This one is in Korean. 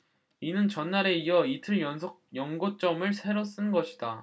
이는 전날에 이어 이틀 연속 연고점을 새로 쓴 것이다